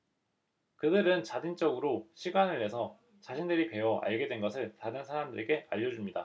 그들은 자진적으로 시간을 내서 자신들이 배워 알게 된 것을 다른 사람들에게 알려 줍니다